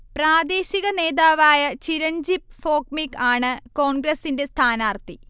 പ്രാദേശിക നേതാവായ ചിരൺജിബ് ഭോവ്മിക് ആണ് കോൺഗ്രസിന്റെ സ്ഥാനാർത്ഥി